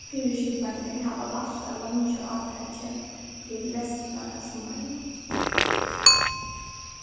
fyriskipararnir hava valt at leingja átakið til restina av summarinum